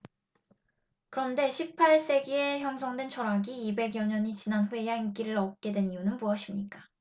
그런데 십 팔 세기에 형성된 철학이 이백 여 년이 지난 후에야 인기를 얻게 된 이유는 무엇입니까